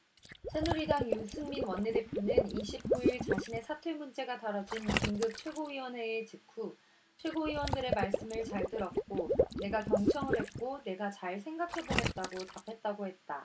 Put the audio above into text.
새누리당 유승민 원내대표는 이십 구 일 자신의 사퇴 문제가 다뤄진 긴급 최고위원회의 직후 최고위원들의 말씀을 잘 들었고 내가 경청을 했고 내가 잘 생각해 보겠다고 답했다고 했다